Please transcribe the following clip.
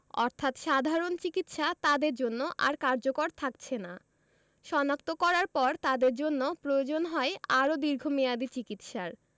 অর্থাৎ সাধারণ চিকিৎসা তাদের জন্য আর কার্যকর থাকছেনা শনাক্ত করার পর তাদের জন্য প্রয়োজন হয় আরও দীর্ঘমেয়াদি চিকিৎসার